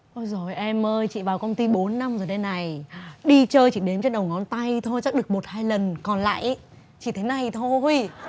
ôi giời em ơi chị vào công ti bốn năm rồi đây này đi chơi chỉ đếm trên đầu ngón tay thôi chắc được một hai lần còn lại ý chỉ thế này thôi